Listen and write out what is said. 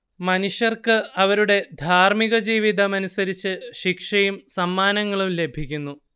മനുഷ്യർക്ക് അവരുടെ ധാർമികജീവിതമനുസരിച്ച് ശിക്ഷയും സമ്മാനങ്ങളും ലഭിക്കുന്നു